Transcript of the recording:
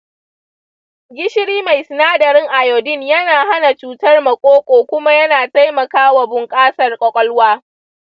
gishiri mai sinadaran iodine yana hana cutar maƙoƙo kuma yana taimaka wa bunƙasar ƙwaƙwalwa.